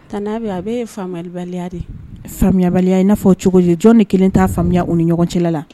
Tan n'abi a bɛ ye faamuyabali de faamuyayabaliya in n'a fɔ cogo ye jɔn ni kelen ta faamuyaya u ni ɲɔgɔn cɛla la